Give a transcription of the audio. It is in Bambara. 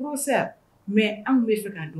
N' sera mɛ anw bɛ fɛ ka dɔn